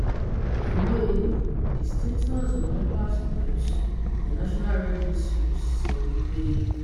Ìwée nì The Status of Nepal's Birds: The National Red List Series sọ wípé: